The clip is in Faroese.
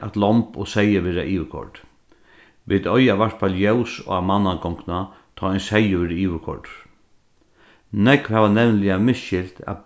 at lomb og seyðir verða yvirkoyrd vit eiga at varpa ljós á mannagongdina tá ein seyður er yvirkoyrdur nógv hava nevniliga misskilt at